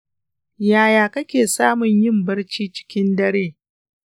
yaya kake samun yin barci cikin dare?